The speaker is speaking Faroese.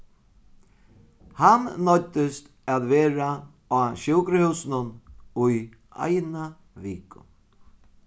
hann noyddist at vera á sjúkrahúsinum í eina viku